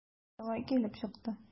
Шулай килеп чыкты.